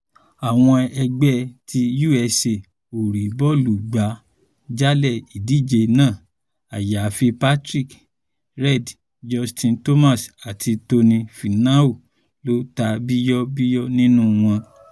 Àwọn ẹgbẹ́ ti USA ò rí bọ́ọ̀lù gbá jálẹ̀ ìdíje náà àyàfi Patrick Reed, Justin Thomas àti Tony Finau ló ta bíyọ́bíyọ́ nínú wọn.